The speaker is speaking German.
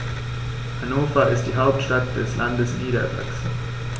Hannover ist die Hauptstadt des Landes Niedersachsen.